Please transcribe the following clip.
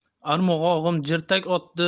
arg'umog'im jirtak otdi